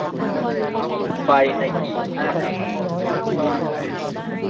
ปิดไฟในอีกห้านาที